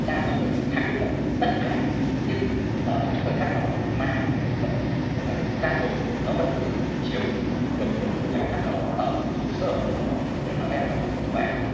đạo anh có thể thắng được tất cả nhưng ở những thời khắc nào đó thì ma có thể vẫn tức là sự gian dối nó vẫn cứ chiếm được một khoảnh khắc nào đó ở một chút sở nào đó để nó len vào vào